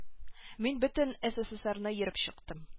Мин бөтен сссрны йөреп чыктым